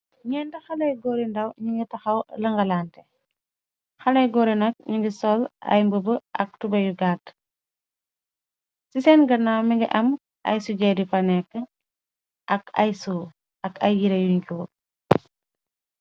Nyenti xaley góori ndaw, ñu ngi taxaw langalante, xaley goori nag, ñu ngi soll ay mboba ak tubéyu gaat, ci seen gannaaw mu ngi am ay su jeeri bu fa nekk, ak siyoo ak ay yiré yuñ jóor.